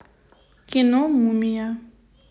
кино мумия